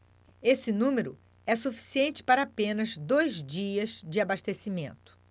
esse número é suficiente para apenas dois dias de abastecimento